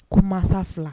Ko mansa fila